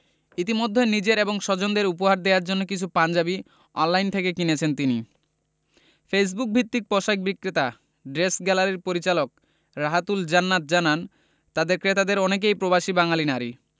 ইতিমধ্যে নিজের এবং স্বজনদের উপহার দেওয়ার জন্য কিছু পাঞ্জাবি অনলাইন থেকে কিনেছেন তিনি ফেসবুকভিত্তিক পোশাক বিক্রেতা ড্রেস গ্যালারির পরিচালকরাহাতুল জান্নাত জানান তাঁদের ক্রেতাদের অনেকেই প্রবাসী বাঙালি নারী